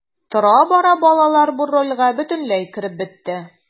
Тора-бара балалар бу рольгә бөтенләй кереп бетте.